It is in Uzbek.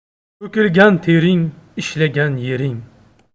to'kilgan tering ishlagan yering